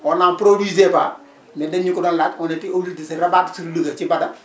on n' en poduisait pas mais dañ ñu ko doon laaj on était obli de se rabattre sur Louga ci Bada